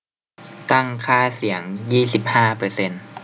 ตั้งค่าเสียงยี่สิบห้าเปอร์เซนต์